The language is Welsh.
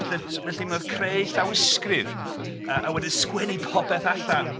'Lly, so felly mae creu llawysgrif a wedyn sgwennu popeth allan...